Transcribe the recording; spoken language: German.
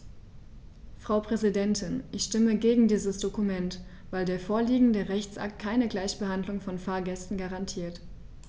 Frau Präsidentin, ich stimme gegen dieses Dokument, weil der vorliegende Rechtsakt keine Gleichbehandlung von Fahrgästen garantiert.